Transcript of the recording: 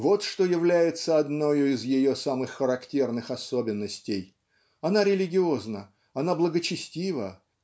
вот что является одною из ее самых характерных особенностей. Она религиозна она благочестива